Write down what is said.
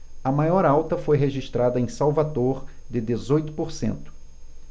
a maior alta foi registrada em salvador de dezoito por cento